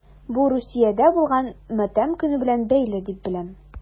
Бу Русиядә булган матәм көне белән бәйле дип беләм...